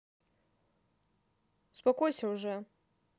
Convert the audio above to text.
успокойся уже